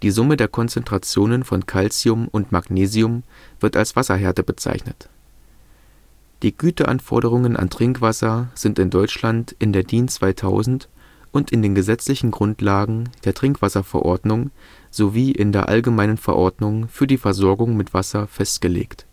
Summe der Konzentrationen von Calcium und Magnesium wird als Wasserhärte bezeichnet. Die Güteanforderungen an Trinkwasser sind in Deutschland in der DIN 2000 und in den gesetzlichen Grundlagen, der Trinkwasserverordnung (TrinkwV) sowie in der „ Allgemeinen Verordnung für die Versorgung mit Wasser “(AVBWasserV) festgelegt